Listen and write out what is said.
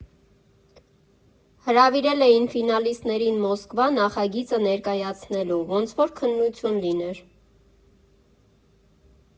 Հրավիրել էին ֆինալիստներին Մոսկվա՝ նախագիծը ներկայացնելու, ոնց որ քննություն լիներ։